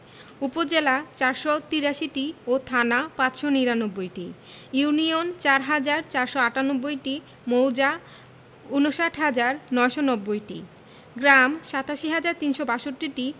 উপজেলা ৪৮৩টি ও থানা ৫৯৯টি ইউনিয়ন ৪হাজার ৪৯৮টি মৌজা ৫৯হাজার ৯৯০টি গ্রাম ৮৭হাজার ৩৬২টি